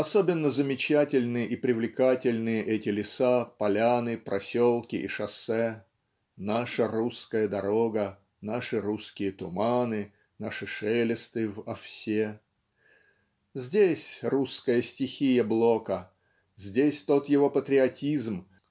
Особенно замечательны и привлекательны эти леса поляны проселки и шоссе наша русская дорога наши русские туманы наши шелесты в овсе. Здесь русская стихия Блока здесь тот его патриотизм